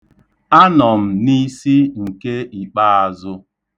Anọ m n'isi nke ikpaazụ.